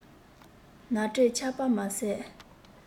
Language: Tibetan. ནག དྲེག ཆགས པ མ ཟད